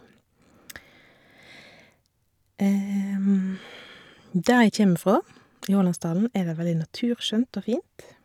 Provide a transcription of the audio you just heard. Der jeg kjeme fra, i Hålandsdalen, er det veldig naturskjønt og fint.